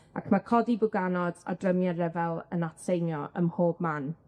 ac ma' codi bwganod a drymie ryfel yn atseinio ym mhob man.